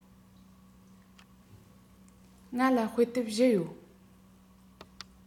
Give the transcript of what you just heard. ང ལ དཔེ དེབ བཞི ཡོད